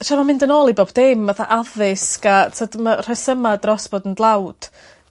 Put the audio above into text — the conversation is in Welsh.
t'o' ma'n mynd yn ôl i bob dim fatha addysg a t'od ma' rhesyma dros bod yn dlawd.